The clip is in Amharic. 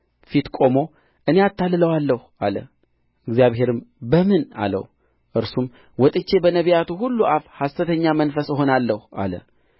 ፊት ቆሞ እኔ አታልለዋለሁ አለ እግዚአብሔርም በምን አለው እርሱም ወጥቼ በነቢያቱ ሁሉ አፍ ሐሰተኛ መንፈስ እሆናለሁ አለ